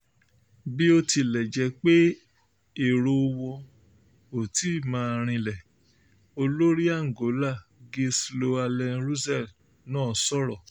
Bíótilẹ̀jẹ́pé èrò wọn ò tí ì máa rinlẹ̀, Olórin Angola, Gill Slows Allen Russell náà sọ̀rọ̀;